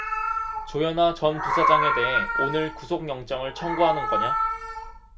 조현아 전 부사장에 대해 오늘 구속영장을 청구하는 거냐